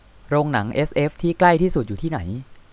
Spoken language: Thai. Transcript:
โรงหนังเอสเอฟที่ใกล้ที่สุดอยู่ที่ไหน